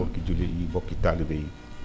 mbokki jullit yi mbokki talibe yi